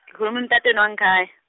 khuluma emtatweni wangekhaya.